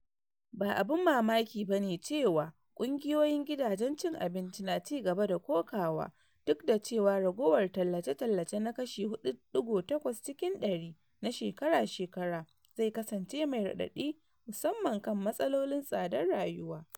Ba abin mamaki ba ne cewa ƙungiyoyin gidajen cin abinci na ci gaba da kokawa, duk da cewa raguwar tallace-tallace na kashi 4.8 cikin 100 na shekara-shekara zai kasance mai raɗaɗi musamman kan matsalolin tsadar rayuwa.